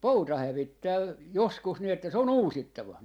pouta hävittää joskus niin että se on uusittava